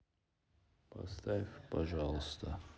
поставь пожалуйста